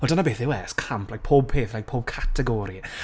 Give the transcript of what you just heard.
Ond dyna beth yw e, it's camp. Like pob peth, like pob categori.